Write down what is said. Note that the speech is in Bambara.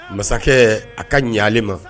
Masakɛ a ka ɲɛ ale ma